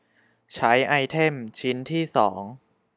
ใช้ไอเทมชิ้นที่สอง